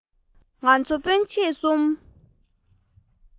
ང ཚོ སྤུན མཆེད གསུམ